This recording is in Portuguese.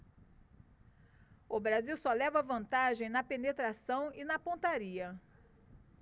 o brasil só leva vantagem na penetração e na pontaria